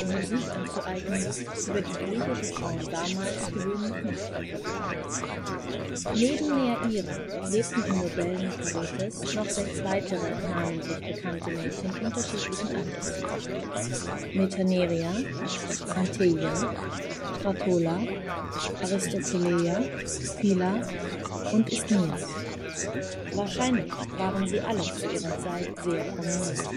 Musik, anzueignen, über die griechische Frauen damals gewöhnlich nicht verfügten. Ein Mann und eine Hetäre (an der Wand hängt eine Geldbörse, die den Charakter dieser Darstellung beschreiben soll) beim Geschlechtsverkehr; Innenbild einer rotfigurigen Trinkschale des Hochzeits-Malers; Privatbesitz, München (um 480 – 470 v. Chr.) Neben Neaira lebten im Bordell Nikaretes noch sechs weitere namentlich bekannte Mädchen unterschiedlichen Alters: Metaneira, Anteia, Stratola, Aristokleia, Phila und Isthmias. Wahrscheinlich waren sie alle zu ihrer Zeit sehr prominent